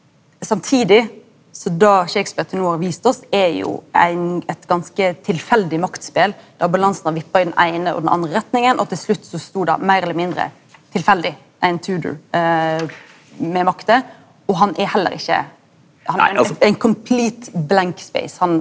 samtidig så det Shakespeare til no har vist oss er jo ein eit ganske tilfeldig maktspel der balansen har vippa i den eine og den andre retninga og til slutt så sto det meir eller mindre tilfeldig ein Tudor med makta og han er heller ikkje han er ein han.